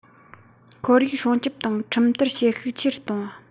ཁོར ཡུག སྲུང སྐྱོང དང ཁྲིམས བསྟར བྱེད ཤུགས ཆེ རུ གཏོང བ